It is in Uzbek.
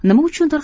nima uchundir